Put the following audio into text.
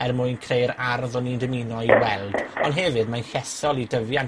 er mwyn creu'r ardd o'n i'n dymuno ei weld. Ond hefyd mae'n llesol i dyfiant